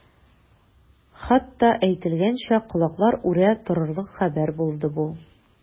Хатта әйтелгәнчә, колаклар үрә торырлык хәбәр булды бу.